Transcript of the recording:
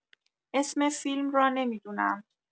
اسم فیلم را نمی‌دونم